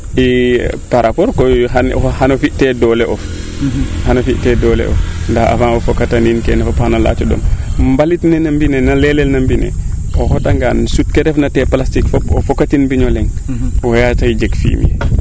par rapport koy xan o fi te doole of xano fi te doole of ndaa avant o fokatan in kene fop xana yaaco ɗom mbalit ne no mbine na leelel no mbine o xota ngaan sut kee refna te plastique fop o foka tin mbiño leŋ waaga jeg fumier